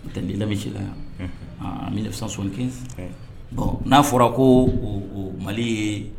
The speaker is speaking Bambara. Hotel de l'amitié la yan, unhun, en 1975 , un, bon n'a fɔra ko o o Mali ye